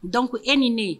Dɔn e ni ne ye